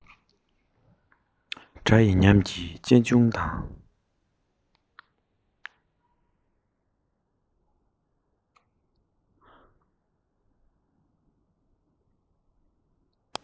སྒྲ ཡིན ཉམས ཀྱིས གཅེན གཅུང དང